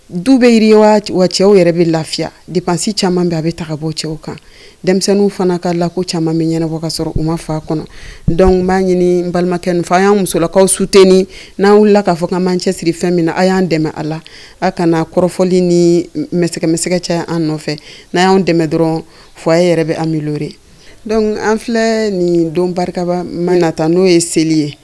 Du bɛ yiri cɛw yɛrɛ bɛ lafiya di pansi caman bɛ a bɛ taga bɔ cɛw kan denmisɛnninw fana k kaa la ko caman bɛ ɲɛnafɔ ka sɔrɔ u ma faa a kɔnɔ dɔnku tun b'a ɲini balimakɛ fa y'an musolakaw suteeni n'an la k ka fɔ ka manan cɛ siri fɛn min na a y'an dɛmɛ a la a kana kɔrɔfɔli nimisɛnsɛgɛcɛ an nɔfɛ n'a y'an dɛmɛ dɔrɔn f yɛrɛ bɛ an mi an filɛ nin don barikaba ma nata n'o ye seli ye